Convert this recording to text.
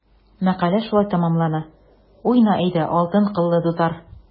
Мәкалә шулай тәмамлана: “Уйна, әйдә, алтын кыллы дутар!"